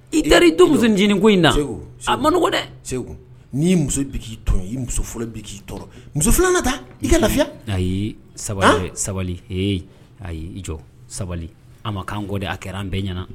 I da i don muso ncinin ko in na a man nɔgɔ dɛ n'i muso bɛ k'i to i muso fɔlɔ bɛ k'i muso filanan ta i ka lafiya a sabali sabali h ayi i jɔ sabali an makan kɔ de a kɛra an bɛɛ ɲɛna